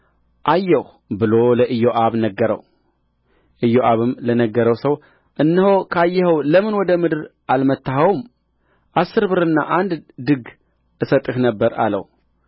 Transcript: አየሁ ብሎ ለኢዮአብ ነገረው ኢዮአብም ለነገረው ሰው እነሆ ካየኸው ለምን ወደ ምድር አልመታኸውም አስር ብርና አንድ ድግ እሰጥህ ነበር አለው